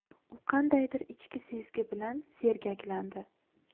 u qandaydir ichki sezgi bilan sergaklandi